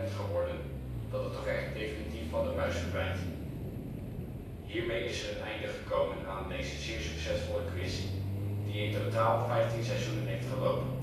geworden dat het toch echt definitief van de buis verdwijnt. Hiermee is er een einde gekomen aan deze zeer succesvolle quiz die in totaal vijftien seizoenen heeft gelopen